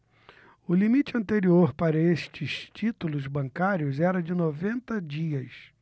o limite anterior para estes títulos bancários era de noventa dias